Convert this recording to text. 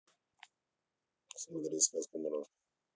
смотреть сказку морозко